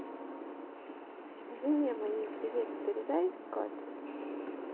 жене моей привет передай кот